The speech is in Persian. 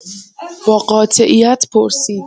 با قاطعیت پرسید